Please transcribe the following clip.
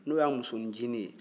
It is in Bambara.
n'o y'a musonin ncinin ye